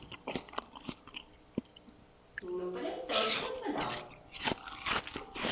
ну прям точно угадал